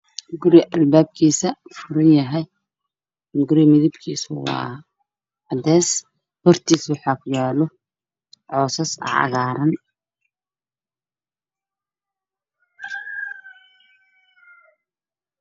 Waa guri dhulka waa cagaar